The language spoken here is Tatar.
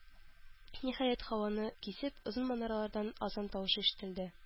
Ниһаять, һаваны кисеп озын манаралардан азан тавышы ишетелде.